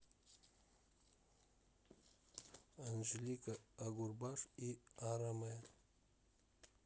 анжелика агурбаш и араме